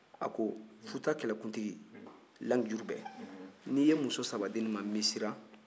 a ko futa kɛlɛkuntigi lamijurubɛ n'i ye muso saba di ne ma n bɛ siran